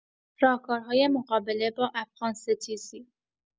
راهکارهای مقابله با افغان‌ستیزی